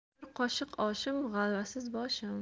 bir qoshiq oshim g'alvasiz boshim